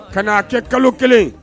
Kan'a kɛ kalo kelen ye